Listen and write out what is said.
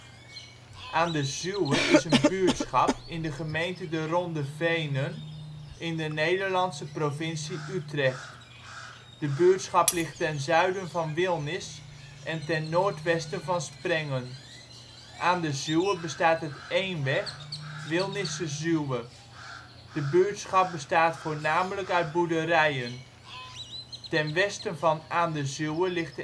Aan de Zuwe is een buurtschap in de gemeente De Ronde Venen in de Nederlandse provincie Utrecht. De buurtschap ligt ten zuiden van Wilnis en ten noordwesten van Sprengen. Aan de Zuwe bestaat uit een weg Wilnisse Zuwe. De buurtschap bestaat voornamelijk uit boerderijen. Ten westen van Aan de Zuwe ligt